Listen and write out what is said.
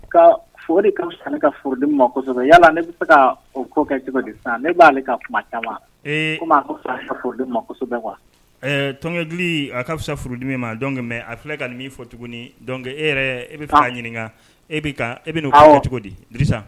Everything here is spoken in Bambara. Cogo tdi a k' fisa furudimi ma dɔn mɛ a filɛ ka nin min fɔ tuguni e yɛrɛ e bɛ ɲininka e e cogo di